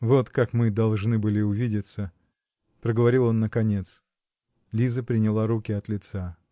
-- Вот как мы должны были увидеться, -- проговорил он наконец. Лиза приняла руки от лица.